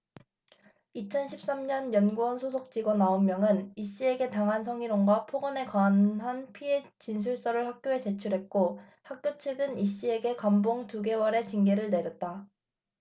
이천 십 삼 년 연구원 소속 직원 아홉 명은 이씨에게 당한 성희롱과 폭언에 관한 피해 진술서를 학교에 제출했고 학교 측은 이씨에게 감봉 두 개월의 징계를 내렸다